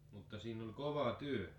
mutta siinä oli kova työ